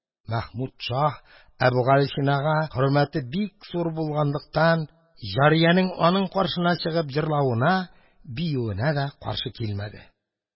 Мәхмүд шаһ, Әбүгалисинага хөрмәте бик зур булганлыктан, җариянең аның каршына чыгып җырлавына, биюенә дә каршы килмәде.